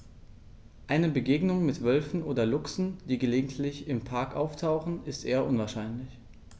Eine Begegnung mit Wölfen oder Luchsen, die gelegentlich im Park auftauchen, ist eher unwahrscheinlich.